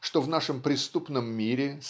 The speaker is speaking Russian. что в нашем преступном мире